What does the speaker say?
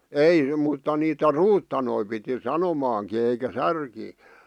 ei mutta niitä ruutanoita piti sanomaankin eikä särkiä